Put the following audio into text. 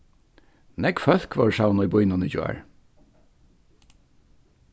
nógv fólk vóru savnað í býnum í gjár